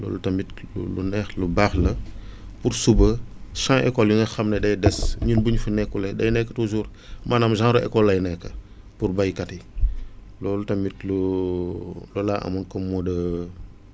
loolu tamit lu neex lu baax la pour suba champs école yi nga xam ne day des ñun bu ñu fi nekkulee day nekk toujours maanaam genre école lay nekk pour béykat yi loolu tamit lu loolu laa amoon comme mot de